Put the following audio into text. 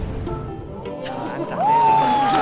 ồ hết hồn